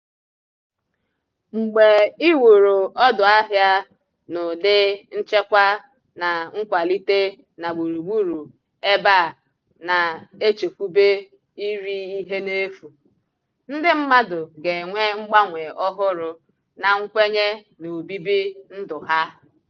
Mgbe i wuru ọdọahịa n'ụdị nchekwa na nkwalite na gburugburu ebe a na-echekwube iri ihe n'efu, ndị mmadụ ga-enwe mgbanwe ohụrụ na nkwenye na obibi ndụ ha.